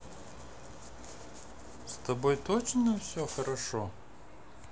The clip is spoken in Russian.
с тобой точно все хорошо